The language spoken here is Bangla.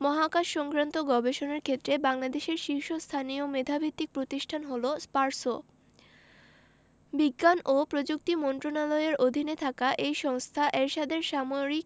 মহাকাশসংক্রান্ত গবেষণার ক্ষেত্রে বাংলাদেশের শীর্ষস্থানীয় মেধাভিত্তিক প্রতিষ্ঠান হলো স্পারসো বিজ্ঞান ও প্রযুক্তি মন্ত্রণালয়ের অধীনে থাকা এই সংস্থা এরশাদের সামরিক